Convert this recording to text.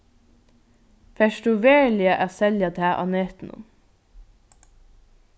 fert tú veruliga at selja tað á netinum